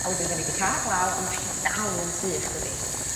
A wedyn 'dan ni 'di ca'l glaw ond ma' hi dal yn sych dydi?